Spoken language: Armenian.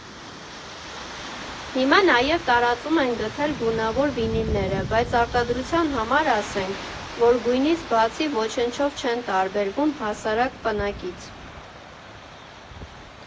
Հիմա նաև տարածում են գտել գունավոր վինիլները, բայց արդարության համար ասենք, որ գույնից բացի ոչնչով չեն տարբերվում հասարակ պնակից։